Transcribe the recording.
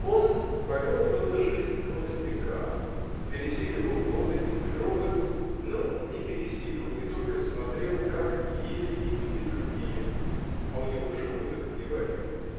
Он повел было жизнь холостяка, пересиливал годы и природу, но не пересилил и только смотрел, как ели и пили другие, а у него желудок не варил.